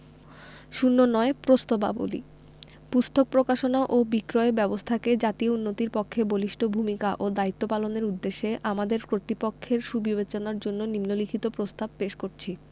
০৯ প্রস্তাবাবলী পুস্তক প্রকাশনা ও বিক্রয় ব্যাবস্থাকে জাতীয় উন্নতির পথে বলিষ্ঠ ভূমিকা ও দায়িত্ব পালনের উদ্দেশ্যে আমরা কর্তৃপক্ষের সুবিবেচনার জন্য নিন্ম লিখিত প্রস্তাব পেশ করছি